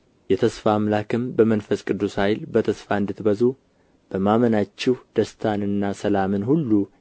የተስፋ አምላክም በመንፈስ ቅዱስ ኃይል በተስፋ እንድትበዙ በማመናችሁ ደስታንና ሰላምን ሁሉ